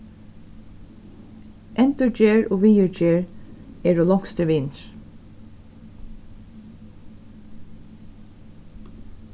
endurgerð og viðurgerð eru longstir vinir